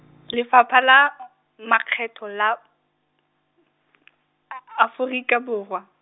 Lefapha la , Makgetho la , Aforika Borwa.